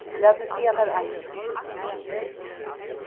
lat meg siga tær eitt